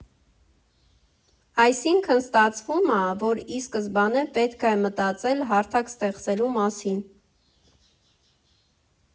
Այսինքն՝ ստացվում ա, որ ի սկզբանե պետք ա մտածել հարթակ ստեղծելու մասին։